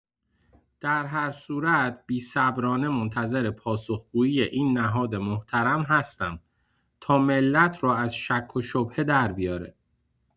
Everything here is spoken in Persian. درهر صورت بی‌صبرانه منتظر پاسخگویی این نهاد محترم هستم، تا ملت رو از شک و شبهه دربیاره.